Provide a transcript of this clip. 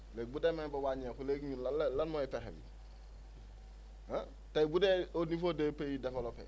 léegi bu demee ba wàññeeku léegi ñun lan lan mooy pexe bi ah te bu dee au niveau des pays développés